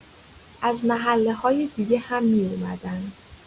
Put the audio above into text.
از محله‌های دیگه هم می‌اومدن.